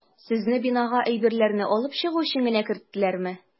Сезне бинага әйберләрне алып чыгу өчен генә керттеләрме?